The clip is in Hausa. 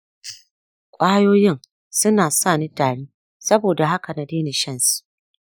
ƙwayoyin suna sani tari saboda haka na daina shan su.